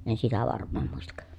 en sitä varmaan muista